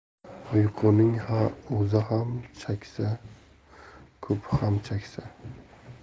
uyquning ozi ham chaksa ko'pi ham chaksa